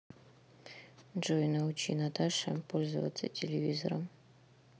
джой научи наташа пользоваться телевизором